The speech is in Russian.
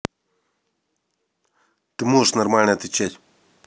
ты можешь нормально отвечать